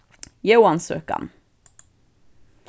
jóansøkan